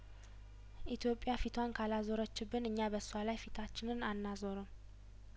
ኢትዮጵያ ፊቷን ካላዞረችብን እኛ በሷ ላይ ፊታችንን አናዞርም